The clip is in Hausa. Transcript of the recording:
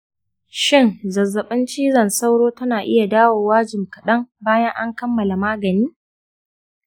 shin zazzabin cizon sauro tana iya dawowa jim kaɗan bayan an kammala magani?